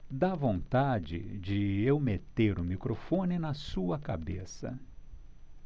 dá vontade de eu meter o microfone na sua cabeça